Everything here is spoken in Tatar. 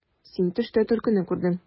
Син төштә төлкене күрдең.